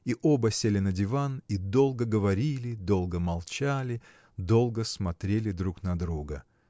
и оба сели на диван и долго говорили долго молчали долго смотрели друг на друга.